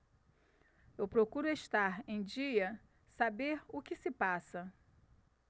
eu procuro estar em dia saber o que se passa